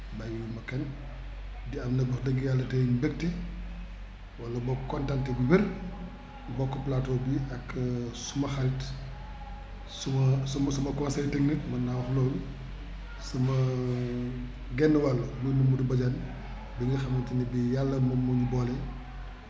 bàyyi wu ma kenn di am nag wax dëgg Yàlla tay mbéte wala boog kontaante bu wér bokk plateau bi ak suma xarit suma suma conseiller technique mun naa wax loolu suma genn wàll muy Momadou Badiane bi nga xamante ne bi Yàlla moom moo ñu boole